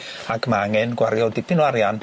Ac ma' angen gwario dipyn o arian...